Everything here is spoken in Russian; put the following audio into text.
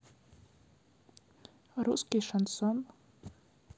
русский шансон